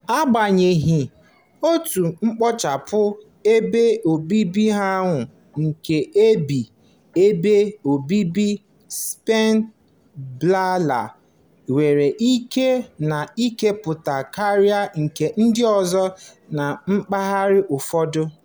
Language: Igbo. Agbanyeghị, otu mkpochapụ ebe obibi ahụ nke na-emebi ebe obibi Spiny Babbler nwere ike na-ekepụta karịa na ndị ọzọ na mpaghara ụfọdụ.